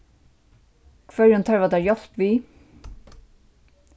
hvørjum tørvar tær hjálp við